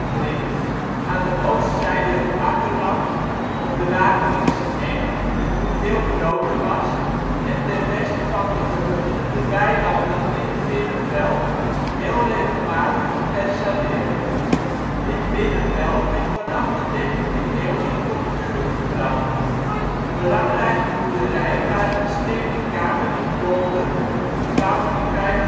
brink), aan de oostzijde het akkerland (op de Wageningse eng, die toen veel groter was) en ten westen van de gehuchten de weilanden in het Binnenveld, heel regelmatig gepercelleerd. Dit Binnenveld werd vanaf de dertiende eeuw in cultuur gebracht. Belangrijke boerderijen waren de Stenen Kamer in Dolder (gebouwd 1597